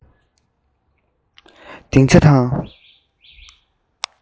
གདེང ཆ དང